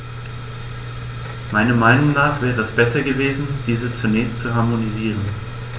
Meiner Meinung nach wäre es besser gewesen, diese zunächst zu harmonisieren.